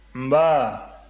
nba